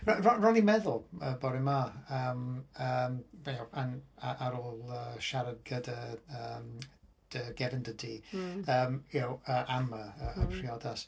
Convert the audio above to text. R- r- ro'n i'n meddwl y bore 'ma yym ar ôl yy siarad gyda yym dy gefnder di yym y'know am y priodas.